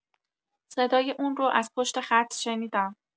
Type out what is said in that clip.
صدای اون رو از پشت خط شنیدم.